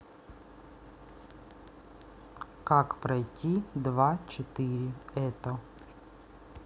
как пройти два четыре это